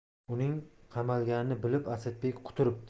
uning qamalganini bilib asadbek quturibdi